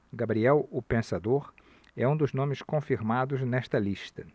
gabriel o pensador é um dos nomes confirmados nesta lista